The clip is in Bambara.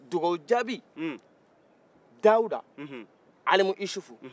dugawu jaabi dawuda alimusufu